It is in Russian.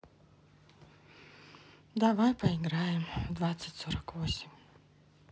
давай поиграем в двадцать сорок восемь